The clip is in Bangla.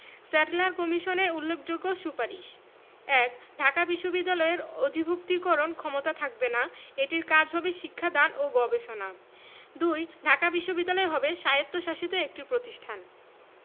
স্যাডলার কমিশনের উল্লেখযোগ্য সুপারিশ: ১. ঢাকা বিশ্ববিদ্যালয়ের অধিভুক্তিকরণ ক্ষমতা থাকবে না এটির কাজ হবে শিক্ষা দান ও গবেষণা ২. ঢাকা বিশ্ববিদ্যালয় হবে স্বায়ত্তশাসিত একটি প্রতিষ্ঠান